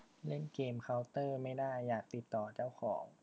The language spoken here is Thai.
เล่นเกมเค้าเตอร์ไม่ได้อยากติดต่อเจ้าของ